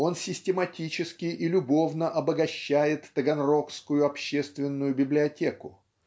он систематически и любовно обогащает таганрогскую общественную библиотеку